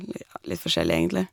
li Ja, litt forskjellig, egentlig.